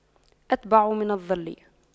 أتبع من الظل